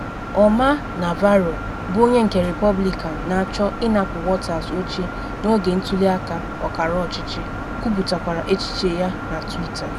Omar Navarro, bụ onye nke Repọblikan na-achọ ịnapụ Waters oche n’oge ntuli aka ọkara ọchịchị, kwuputakwara echiche ya na Twitter.